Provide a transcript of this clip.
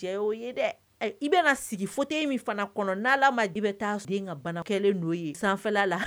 Cɛ o ye dɛ i bɛna sigi fo min fana kɔnɔ n'a ma de bɛ taa den ka bana kɛlenlen n'o ye sanfɛla la